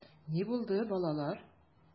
Ни булды, балалар?